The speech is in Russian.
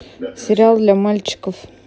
сериал для мальчиков